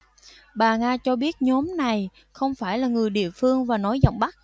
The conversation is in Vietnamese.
bà nga cho biết nhóm này không phải là người địa phương và nói giọng bắc